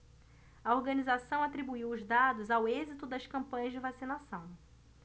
a organização atribuiu os dados ao êxito das campanhas de vacinação